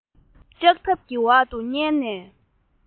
ལྕགས ཐབ ཀྱི འོག ཏུ ཉལ ནས